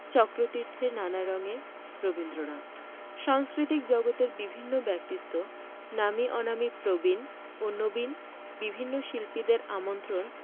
চক্রতীর্থের নানা রঙে রবীন্দ্রনাথ সাংস্কৃতিক জগতের বিভিন্ন ব্যক্তিত্ব নামী অনামী প্রবীণ ও নবীন বিভিন্ন শিল্পীদের আমন্ত্রণ